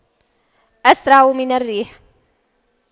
أسرع من الريح